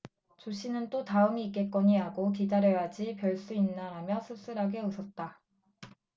조씨는 또 다음이 있겠거니 하고 기다려야지 별 수 있나라며 씁쓸하게 웃었다